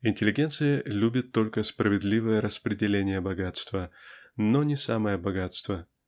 Интеллигенция любит только справедливое распределение богатства но не самое богатство